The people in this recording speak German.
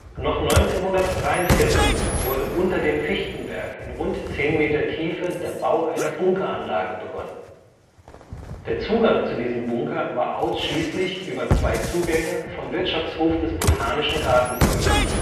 Noch 1943 wurde unter dem Fichtenberg in rund zehn Meter Tiefe der Bau einer Bunkeranlage begonnen. Der Zugang zu diesem Bunker war ausschließlich über zwei Zugänge vom Wirtschaftshof des Botanischen Gartens möglich